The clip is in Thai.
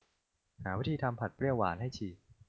หาวิธีทำผัดเปรี้ยวหวานให้ที